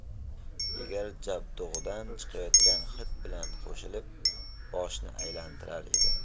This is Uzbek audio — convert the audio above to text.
egar jabdug'idan chiqayotgan hid bilan qo'shilib boshni aylantirar edi